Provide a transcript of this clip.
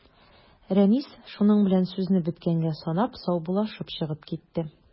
Рәнис, шуның белән сүзне беткәнгә санап, саубуллашып чыгып китте.